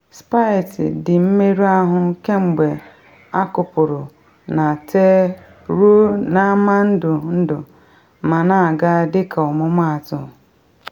Spieth dị mmerụ ahụ kemgbe akụpụrụ na tee ruo na ama ndu ndu ma na-aga dịka ọmụmatụ.